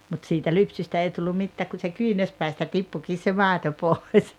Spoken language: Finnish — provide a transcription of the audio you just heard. mutta siitä lypsystä ei tullut mitään kun se kyynärpäistä tippuikin se maito pois